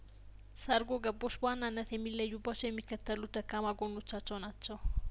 ሰርጐ ገቦች በዋናነት የሚለዩባቸው የሚከተሉት ደካማ ጐኖቻቸው ናቸው